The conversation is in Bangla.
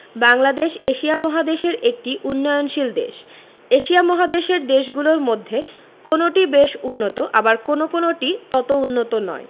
বাংলাদেশ এশিয়া মহাদেশের একটি উন্নয়নশীল দেশ এশিয়া মহাদেশের দেশগুলোর মধ্যে কোনটি বেশ উন্নত আবার কোনো কোনোটি তত উন্নত নয়